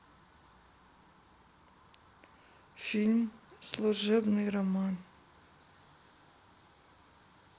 фильм служебный роман